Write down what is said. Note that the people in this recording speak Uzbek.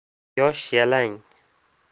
yosh yalang